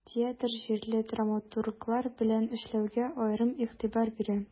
Театр җирле драматурглар белән эшләүгә аерым игътибар бирә.